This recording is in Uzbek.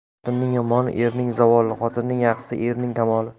xotinning yomoni erning zavoli xotinning yaxshisi erning kamoli